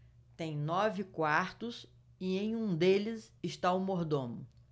tem nove quartos e em um deles está o mordomo